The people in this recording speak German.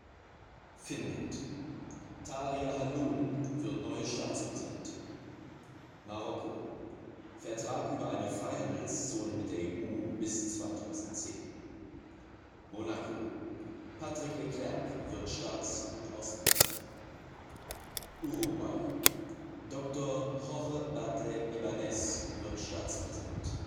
Finnland: Tarja Halonen wird neue Staatspräsidentin. Marokko: Vertrag über eine Freihandelszone mit der EU bis 2010. Monaco: Patrick Leclercq wird Staats - und Außenminister. Uruguay: Dr. Jorge Batlle Ibáñez wird Staatspräsident